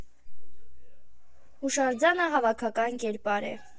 «Հուշարձանը հավաքական կերպար է.